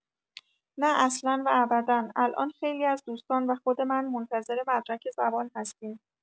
نه اصلا و ابدا الان خیلی از دوستان و خود من منتظر مدرک زبان هستیم.